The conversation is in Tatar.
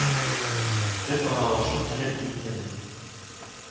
Төп аралашу теле фин теле